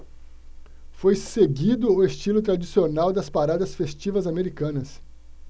foi seguido o estilo tradicional das paradas festivas americanas